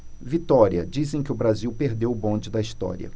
vitória dizem que o brasil perdeu o bonde da história